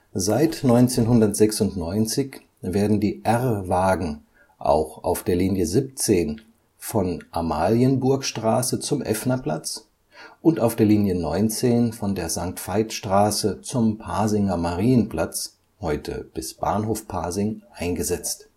Seit 1996 werden die R-Wagen auch auf der Linie 17 von Amalienburgstraße zum Effnerplatz und auf der Linie 19 von der Sankt-Veit-Straße zum Pasinger Marienplatz (heute bis Bahnhof Pasing) eingesetzt